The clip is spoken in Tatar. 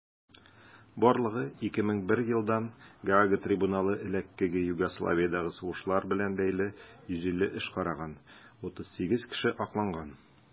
Барлыгы 2001 елдан Гаага трибуналы элеккеге Югославиядәге сугышлар белән бәйле 150 эш караган; 38 кеше акланган.